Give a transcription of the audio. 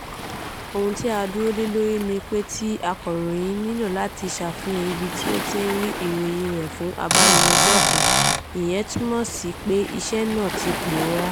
"Ohun tí a dúró lé lórí ni wípé tí akọ̀ròyìn nílò láti sàfihàn ibi tí ó tí ń rí ìròyìn rẹ fún abánirojọ́ kan, ìyẹn túmọ̀ sí pé iṣẹ́ náà ti pòórá.